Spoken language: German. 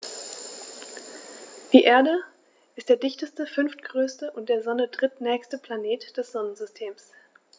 Die Erde ist der dichteste, fünftgrößte und der Sonne drittnächste Planet des Sonnensystems.